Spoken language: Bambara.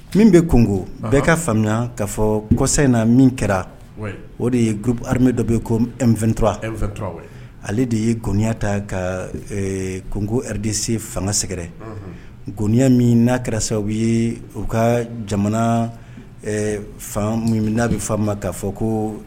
Min bɛ kogo bɛɛ ka faamuya k'a fɔ kɔsa in na min kɛra o de ye g hamɛ dɔ bɛ yen ko e2tura ale de ye goniya ta ka kogo dse fanga sɛgɛrɛ goniya min n'a kɛra sababu u ye u ka jamana fan min'a bɛ fa ma k'a fɔ ko